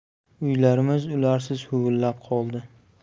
uylarimiz ularsiz huvillab qoldi